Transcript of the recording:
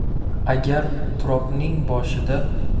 agar turobning boshida